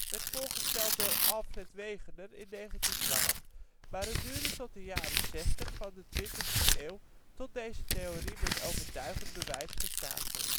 werd voorgesteld door Alfred Wegener in 1912, maar het duurde tot de jaren ' 60 van de twintigste eeuw, tot deze theorie met (overtuigend) bewijs gestaafd